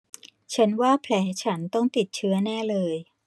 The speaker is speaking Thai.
ฉันว่าแผลฉันต้องติดเชื้อแน่เลย